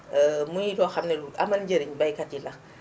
muy loo xam ni lu amal njariñ baykat yi la